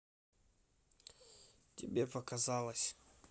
тебе показалось